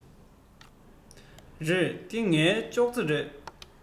རེད འདི ངའི སྒྲོག རྩེ རེད